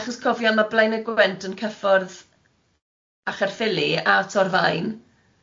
Achos cofio ma' Blaenau Gwent yn cyffwrdd a Chaerffyli a Torfaen.